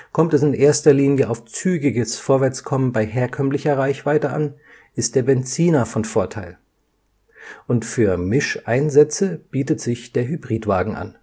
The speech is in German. Kommt es in erster Linie auf zügiges Vorwärtskommen bei herkömmlicher Reichweite an, ist der Benziner von Vorteil. Und für „ Misch-Einsätze “bietet sich der Hybrid-Wagen an